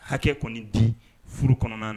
Hakɛ kɔni di furu kɔnɔna na